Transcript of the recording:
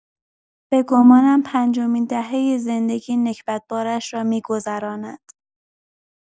به گمانم پنجمین دهۀ زندگی نکبت‌بارش را می‌گذراند.